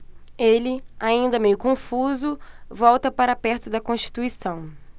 ele ainda meio confuso volta para perto de constituição